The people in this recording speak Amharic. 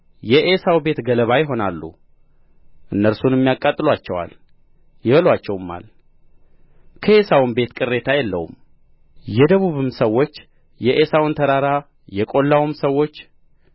ዔሳው ቤት ገለባ ይሆናሉ እነርሱንም ያቃጥሉአቸዋል ይበሉአቸውማል ከዔሳውም ቤት ቅሬታ የለውም የደቡብም ሰዎች የዔሳውን ተራራ የቈላውም ሰዎች